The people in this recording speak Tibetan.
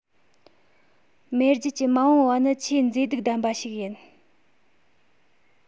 མེས རྒྱལ གྱི མ འོངས པ ནི ཆེས མཛེས སྡུག ལྡན པ ཞིག ཡིན